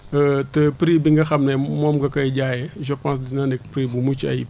te prix bi nga xam ne moom nga koy jaayee je pense dina nekk prix bu mucc ayib